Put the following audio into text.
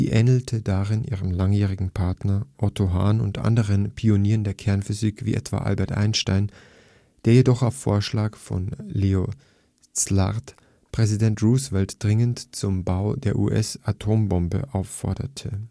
ähnelte darin ihrem langjährigen Partner Otto Hahn und anderen Pionieren der Kernphysik wie etwa Albert Einstein (der jedoch, auf Vorschlag von Leó Szilárd, Präsident Roosevelt dringend zum Bau der US-Atombombe aufforderte